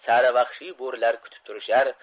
sara vahshiy bo'rilar kutib turishar